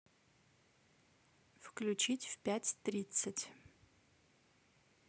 включить в пять тридцать